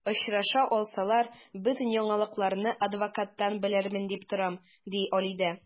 Очраша алсалар, бөтен яңалыкларны адвокаттан белермен дип торам, ди Алидә.